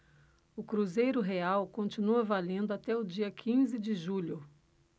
o cruzeiro real continua valendo até o dia quinze de julho